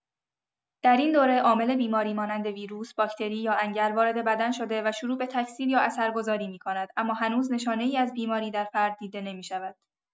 در این دوره، عامل بیماری مانند ویروس، باکتری یا انگل وارد بدن شده و شروع به تکثیر یا اثرگذاری می‌کند، اما هنوز نشانه‌ای از بیماری در فرد دیده نمی‌شود.